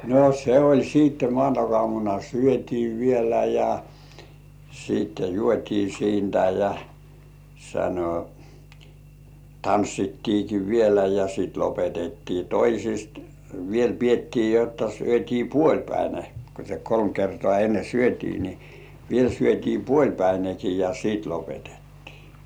no se oli sitten maanantaiaamuna syötiin vielä ja sitten juotiin siitä ja sanoi tanssittiinkin vielä ja sitten lopetettiin toisista vielä pidettiin jotta syötiin puolipäinen kun se kolme kertaa ennen syötiin niin niin vielä syötiin puolipäinenkin ja sitten lopetettiin